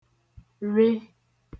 re